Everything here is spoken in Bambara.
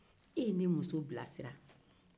e ye ne muso bilasira